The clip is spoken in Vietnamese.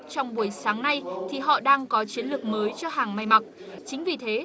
trong buổi sáng nay thì họ đang có chiến lược mới cho hàng may mặc chính vì thế